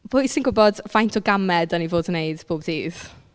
Pwy sy'n gwybod faint o gamau dan ni'n fod yn wneud bob dydd?